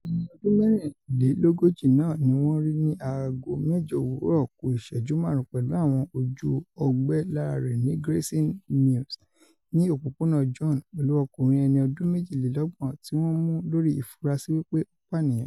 Ẹni ọdún mẹ́rìnlélógójì náà ni wọ́n rí ní aago mẹ́jọ òwúrọ̀ ku ìṣẹ́jú máàrún pẹ̀lú àwọn ojú-ọgbẹ́ lára rẹ̀ ni ́Grayson Mews ní òpòpóna John, pẹ̀lú ọkùnrin ẹni ọdún méjilélọ́gbọ̀n tí wọ́n mú lórí ìfurasì wí pé ó pànìyàn.